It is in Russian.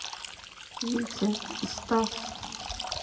витя и стас